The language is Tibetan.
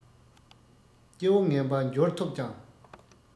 སྐྱེ བོ ངན པ འབྱོར ཐོབ ཀྱང